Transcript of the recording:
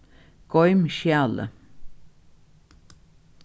goym skjalið